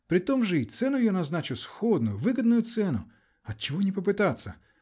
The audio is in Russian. Притом же и цену я назначу сходную, выгодную цену! Отчего не попытаться?